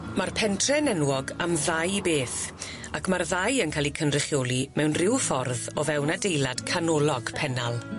Ma'r pentre'n enwog am ddau beth ac ma'r ddau yn ca'l 'u cynrychioli mewn ryw ffordd o fewn adeilad canolog Pennal.